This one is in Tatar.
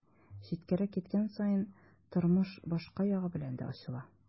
Читкәрәк киткән саен тормыш башка ягы белән дә ачыла.